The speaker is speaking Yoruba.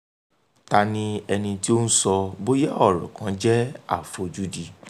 Ta ni ẹni tí ó ń sọ bóyá ọ̀rọ̀ kan jẹ́ àfojúdi?